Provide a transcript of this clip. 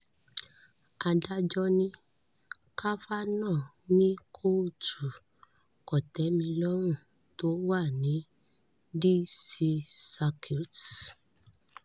Adájọ́ ni Kavanaugh ní Kọ́ọ̀tù Kòtẹ́milọ́rùn tó wà ní D.C. Circuit.